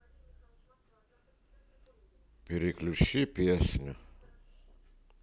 переключи песню